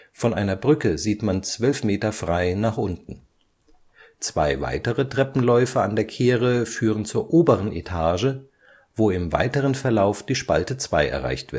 Von einer Brücke sieht man zwölf Meter frei nach unten. Zwei weitere Treppenläufe an der Kehre führen zur oberen Etage, wo im weiteren Verlauf die Spalte 2 erreicht